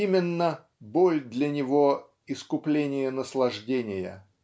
именно боль для него -- искупление наслаждения.